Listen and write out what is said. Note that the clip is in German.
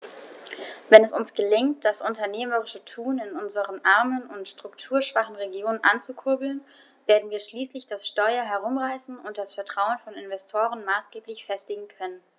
Wenn es uns gelingt, das unternehmerische Tun in unseren armen und strukturschwachen Regionen anzukurbeln, werden wir schließlich das Steuer herumreißen und das Vertrauen von Investoren maßgeblich festigen können.